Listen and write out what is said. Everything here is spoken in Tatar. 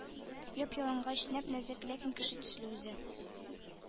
Яп-ялангач, нәп-нәзек, ләкин кеше төсле үзе;